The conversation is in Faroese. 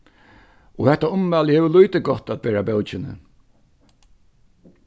og hetta ummælið hevur lítið gott at bera bókini